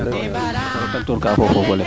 xa tak toor ka fo o fogole koy